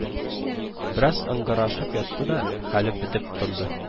Бераз ыңгырашып ятты да, хәле бетеп тынды